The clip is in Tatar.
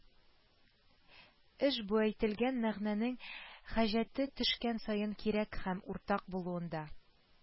Эш бу әйтелгән мәгънәнең хаҗәте төшкән саен кирәк һәм уртак булуында